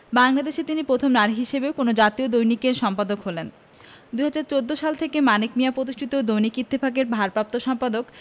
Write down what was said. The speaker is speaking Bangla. বাংলাদেশে তিনিই পথম নারী হিসেবে কোনো জাতীয় দৈনিকের সম্পাদক হলেন ২০১৪ সাল থেকে মানিক মিঞা প্রতিষ্ঠিত দৈনিক ইত্তেফাকের ভারপাপ্ত সম্পাদক